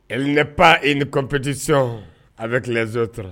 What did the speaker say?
ne pan e ni pptisi a bɛ kisootura